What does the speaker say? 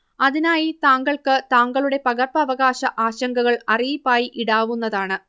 അതിനായി താങ്കൾക്ക് താങ്കളുടെ പകർപ്പവകാശ ആശങ്കകൾ അറിയിപ്പായി ഇടാവുന്നതാണ്